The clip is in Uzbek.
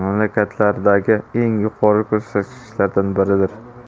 mamlakatlaridagi eng yuqori ko'rsatkichlardan biridir